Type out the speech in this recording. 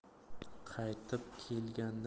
qaytib kelgandan keyin